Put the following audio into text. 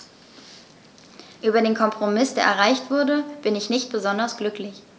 Über den Kompromiss, der erreicht wurde, bin ich nicht besonders glücklich.